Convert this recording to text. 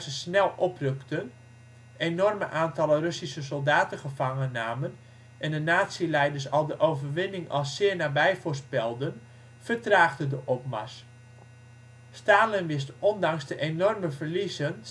snel oprukten, enorme aantallen Russische soldaten gevangennamen en de nazi-leiders al de overwinning als zeer nabij voorspelden, vertraagde de opmars. Stalin wist ondanks de enorme verliezen